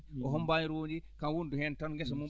ko hombaani rondi kam wondu heen tan gesa mum